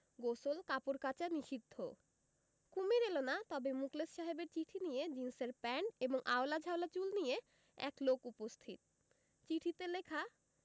গোসল কাপড় কাচা নিষিদ্ধ কুমীর এল না তবে মুখলেস সাহেবের চিঠি নিয়ে জীনসের প্যান্ট এবং আউলা ঝাউলা চুল নিয়ে এক লোক উপস্থিত চিঠিতে লেখা